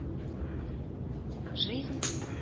Жизнь